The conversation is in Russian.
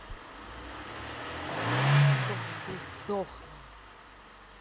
чтоб ты сдохла